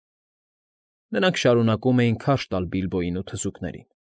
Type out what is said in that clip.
Նրանք շարունակում էին քարշ տալ Բիլբոյին ու թզուկներին։